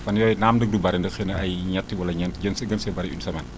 fan yooyu naam nag du bëri ndax xëy na ay ñett wala ñeent jëm si gën see bëri une semaine